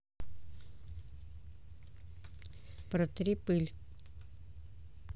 протри пыль